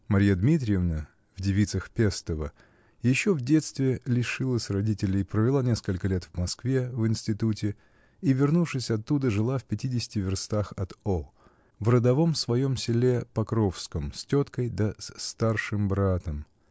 Марья Дмитриевна (в девицах Пестова) еще в детстве лишилась родителей, провела несколько лет в Москве, в институте, и, вернувшись оттуда, жила в пятидесяти верстах от О. , в родовом своем селе Покровском, с теткой да с старшим братом.